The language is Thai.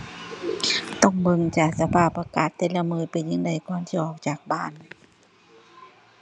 ต้องเบิ่งจ้า สภาพอากาศแต่ละมื้อเป็นจั่งใด ก่อนสิออกจากบ้าน